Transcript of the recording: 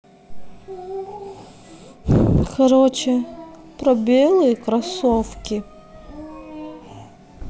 короче про белые кроссовки